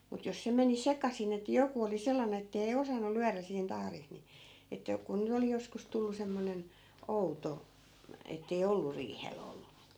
mutta jos se meni sekaisin että joku oli sellainen että ei osannut lyödä siinä tahdissa niin että kun nyt oli joskus tullut semmoinen outo että ei ollut riihellä ollut